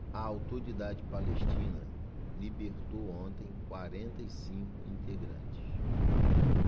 a autoridade palestina libertou ontem quarenta e cinco integrantes